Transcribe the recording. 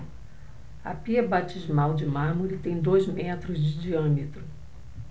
a pia batismal de mármore tem dois metros de diâmetro